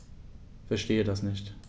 Verstehe das nicht.